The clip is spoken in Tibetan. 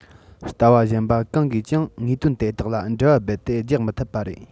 ལྟ བ གཞན པ གང གིས ཀྱང དངོས དོན དེ དག ལ འགྲེལ བ རྦད དེ རྒྱག མི ཐུབ པ རེད